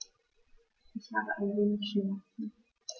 Ich habe ein wenig Schmerzen.